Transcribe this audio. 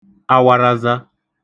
awaraza